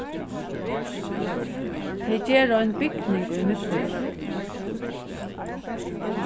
tey gera ein bygning í miðbýnum